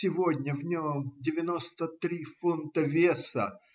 Сегодня в нем девяносто три фунта веса.